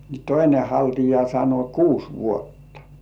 niin toinen haltia sanoi kuusi vuotta